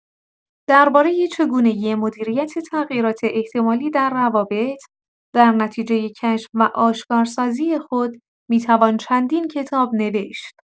درباره چگونگی مدیریت تغییرات احتمالی در روابط، درنتیجه کشف و آشکارسازی خود، می‌توان چندین کتاب نوشت.